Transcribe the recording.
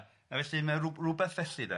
a felly mae'n rywbeth felly de.